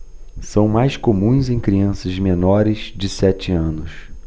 são mais comuns em crianças menores de sete anos